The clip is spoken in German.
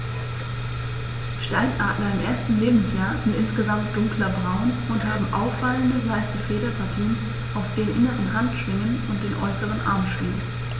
Steinadler im ersten Lebensjahr sind insgesamt dunkler braun und haben auffallende, weiße Federpartien auf den inneren Handschwingen und den äußeren Armschwingen.